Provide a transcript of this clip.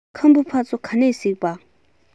ཁམ བུ ཕ ཚོ ག ནས གཟིགས པ